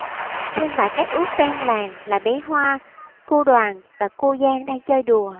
trên bãi cát ướt ven làng là bé hoa cu đoàn và cu giang đang chơi đùa